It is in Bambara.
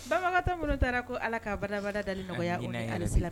Banbagatɔ minnu taara ko Ala ka bada bada dali nɔgɔya u ye amina ya rabi .